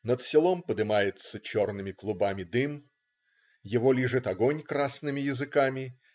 Над селом подымается черными клубами дым, его лижет огонь красными языками.